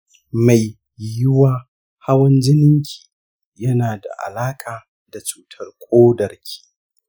mai yiwuwa hawan jininki yana da alaƙa da cutar kodarki.